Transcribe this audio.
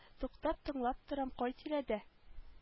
Туктап тыңлап торам кай тирәдә